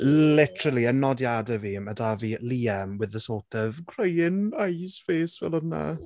Literally yn nodiadau fi ma' 'da fi Liam with the sort of crying eyes face fel yna.